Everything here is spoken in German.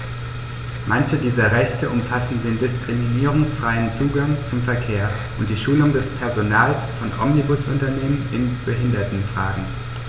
Manche dieser Rechte umfassen den diskriminierungsfreien Zugang zum Verkehr und die Schulung des Personals von Omnibusunternehmen in Behindertenfragen.